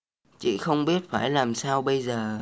chị không biết phải làm sao bây giờ